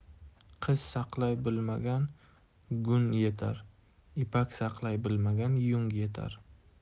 qiz saqlay bilmagan gung etar ipak saqlay bilmagan yung etar